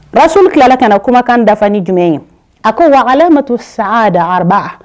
Baraso tilala ka na kumakan dafa ni jumɛn ye a ko wa ale ma to sada araba